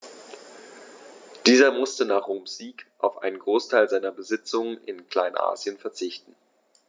Dieser musste nach Roms Sieg auf einen Großteil seiner Besitzungen in Kleinasien verzichten.